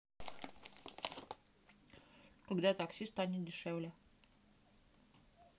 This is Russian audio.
когда такси станет дешевле